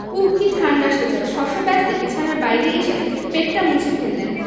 উঃ কি ঠাণ্ডা সে জল শশব্যস্তে বিছানার বাইরে এসে পেটটা মুছে ফেললেন